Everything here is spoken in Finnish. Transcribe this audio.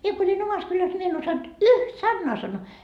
minä kun olin omassa kylässä niin minä en osannut yhtä sanaa sanoa